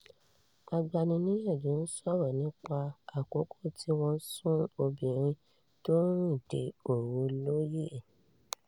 Agbaniníyànjú sọ̀rọ̀ nípa àkókò tí wọ́n sun obìnrin tó ń rìnde òru lóòyẹ̀.